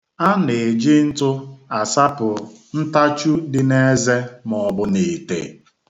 A na-eji ntụ asapụ ntachu dị n'eze ma ọ bụ n'ite.